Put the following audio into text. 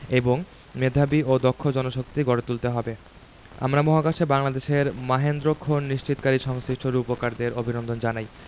এবং মেধাবী ও দক্ষ জনশক্তি গড়ে তুলতে হবে আমরা মহাকাশে বাংলাদেশের মাহেন্দ্রক্ষণ নিশ্চিতকারী সংশ্লিষ্ট রূপকারদের অভিনন্দন জানাই